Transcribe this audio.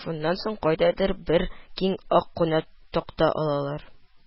Шуннан соң кайдандыр бер киң ак куна такта алалар